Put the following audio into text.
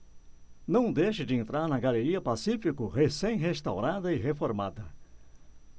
não deixe de entrar na galeria pacífico recém restaurada e reformada